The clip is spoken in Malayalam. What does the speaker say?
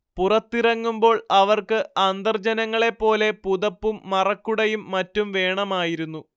പുറത്തിറങ്ങുമ്പോൾ അവർക്ക് അന്തർജനങ്ങളെപ്പോലെ പുതപ്പും മറക്കുടയും മറ്റും വേണമായിരുന്നു